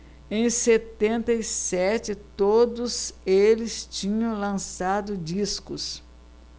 em setenta e sete todos eles tinham lançado discos